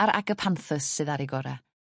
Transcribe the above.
a'r Agapanthus sydd ar eu gora'.